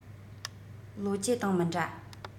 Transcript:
ལིའོ ཅེ དང མི འདྲ